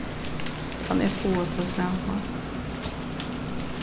kann eg fáa tað sama